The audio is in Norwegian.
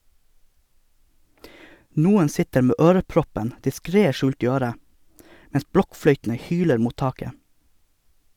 Noen sitter med øreproppen diskret skjult i øret, mens blokkfløytene hyler mot taket.